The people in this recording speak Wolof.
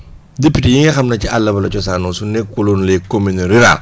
député yi nga xam ne ca àll ba la cosaanoo su nekku loon les communes rurales